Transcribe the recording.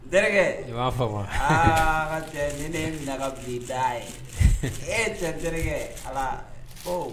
Terikɛ ba fa ha cɛ ne ne ɲaga bi da ye e terikɛ ala ko